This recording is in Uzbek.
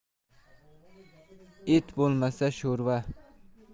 et bo'lmasa sho'rva